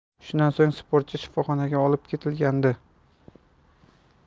shundan so'ng sportchi shifoxonaga olib ketilgandi